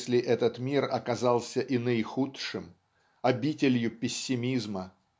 если этот мир оказался и наихудшим обителью пессимизма?